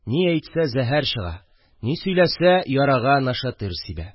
Ни әйтсә – зәһәр чыга, ни сөйләсә – ярага нашатырь сибә